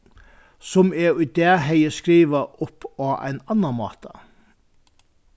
sum eg í dag hevði skrivað upp á ein annan máta